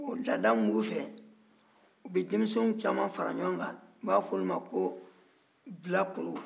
laada min b'u fɛ u bɛ denmisɛn caman fara ɲɔgɔn kan u b'a fɔ olu ko bilakorow